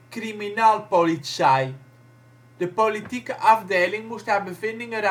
Kriminalpolizei. De politieke afdeling moest haar bevindingen